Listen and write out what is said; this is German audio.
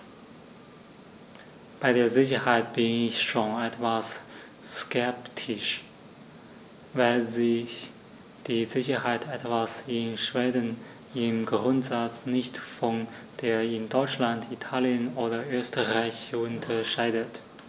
Bei der Sicherheit bin ich schon etwas skeptisch, weil sich die Sicherheit etwa in Schweden im Grundsatz nicht von der in Deutschland, Italien oder Österreich unterscheidet.